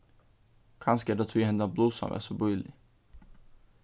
kanska er tað tí hendan blusan var so bílig